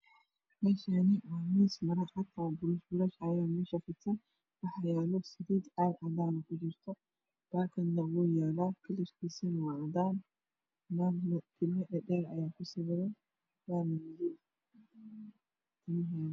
Meshaani waa miis mar cadan oo bursh burshl ah ayaa mashani fidsan waxaa yalo salid caag cadan ki jurto bakadna wuu yala kalarkisu na waa cadan naag tima dhe dheer ayaa ku sawiran waxa madoow